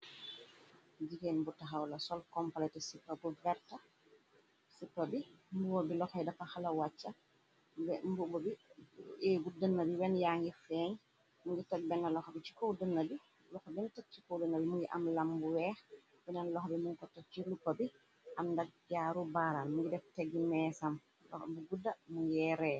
Jigeen bu taxaw la sol compalete u vertacipro bi mbobo bi loxo dafa xalawàcca mbu dënna bi wen yaa ngi feeñ i loxo bena tak ci kow dina bi mu ngi am lam bu weex beneen lox bi mun ko tog ci luppa bi am ndak yaaru baaram ngi def teg meesam o bu gudda mu ngeeree.